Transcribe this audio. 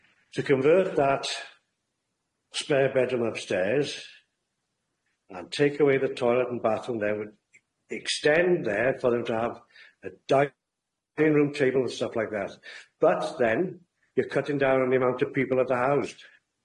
To convert that spare bedroom upstairs, and take away the toilet and bathroom, there would extend there for them to have a dining room table and stuff like that. But then you're cutting down on the amount of people at the house.